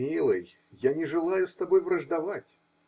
-- Милый, я не желаю с тобой враждовать